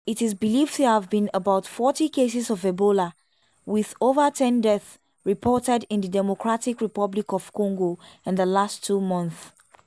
It is believed there have been about 40 cases of ebola, with over 10 deaths reported in the Democratic Republic of Congo in the last two months.